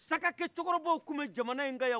sakkɛcɛkɔrɔbaw tun bɛ jamana in kan yan